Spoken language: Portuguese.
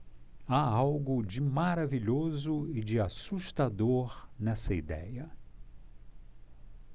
há algo de maravilhoso e de assustador nessa idéia